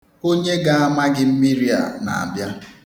Onye ga-ama gị mmiri a na-abịa.